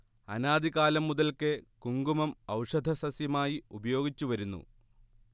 അനാദി കാലം മുതൽക്കേ കുങ്കുമം ഔഷധസസ്യമായി ഉപയോഗിച്ചുവരുന്നു